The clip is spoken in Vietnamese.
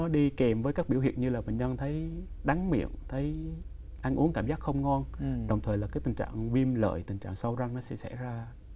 nó đi kèm với các biểu hiện như là bệnh nhân thấy đắng miệng thấy uống cảm giác không ngon đồng thời là cái tình trạng viêm lợi tình trạng sâu răng nó sẽ xảy ra